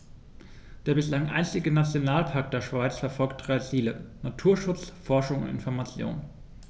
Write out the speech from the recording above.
Der bislang einzige Nationalpark der Schweiz verfolgt drei Ziele: Naturschutz, Forschung und Information.